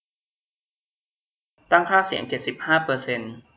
คั้งค่าเสียงเจ็ดสิบห้าเปอร์เซนต์